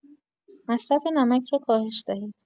مصرف نمک را کاهش دهید.